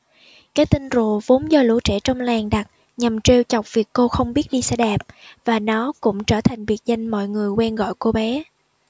cái tên rùa vốn do lũ trẻ trong làng đặt nhằm trêu chọc việc cô không biết đi xe đạp và nó cũng trở thành biệt danh mọi người quen gọi cô bé